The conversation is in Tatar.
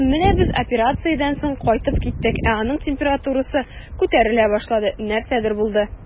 Һәм менә без операциядән соң кайтып киттек, ә аның температурасы күтәрелә башлады, нәрсәдер булды.